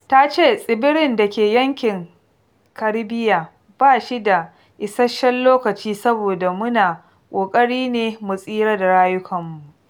Ta ce tsibirin da ke yankin Karibiya "ba shi da isasshen lokaci saboda [mu na] ƙoƙari ne mu tsira da rayukanmu".